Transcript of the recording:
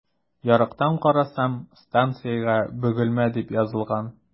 Ярыктан карасам, станциягә “Бөгелмә” дип язылган.